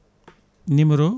numéro